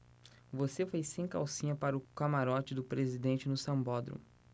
você foi sem calcinha para o camarote do presidente no sambódromo